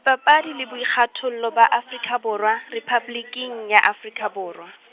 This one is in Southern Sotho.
-papadi le Boikgathollo ba Afrika Borwa, Rephaboliki ya Afrika Borwa.